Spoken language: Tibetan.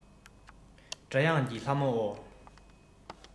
སྒྲ དབྱངས ཀྱི ལྷ མོ ཨོ